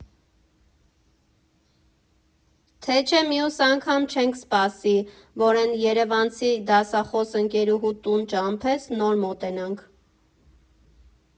Թե չէ մյուս անգամ չենք սպասի, որ էն էրևանցի դասախոս ընգերուհուդ տուն ճամփես, նոր մոտենանք։